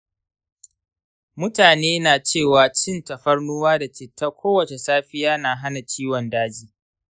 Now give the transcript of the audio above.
mutane na cewa cin tafarnuwa da citta kowace safiya na hana ciwon daji.